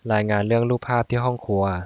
รายงานเรื่องรูปภาพที่ห้องครัว